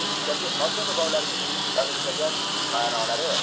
ularga ota bobolarning bag'ishlagan ma'nolari